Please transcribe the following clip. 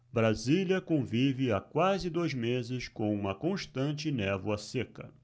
brasília convive há quase dois meses com uma constante névoa seca